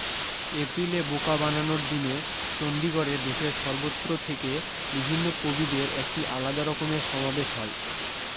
এপ্রিলে বোকা বানানোর দিনে চণডীগড়ে দেশের সর্বত্র থেকে বিভিন্ন কবিদের একটি আলাদা রকমের সমাবেশ হয়